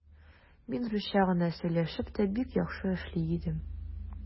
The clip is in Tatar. Мин русча гына сөйләшеп тә бик яхшы эшли идем.